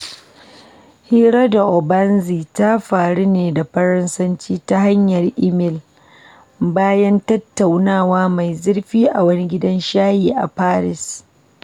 Hira da Ouabonzi ta faru ne da Faransanci ta hanyar email bayan tattaunawa mai zurfi a wani gidan shayi a Paris.